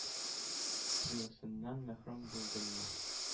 Җылысыннан мәхрүм булдыммы?